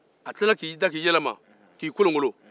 a tila la k'i da k'i yɛlɛma k'i kolonkolon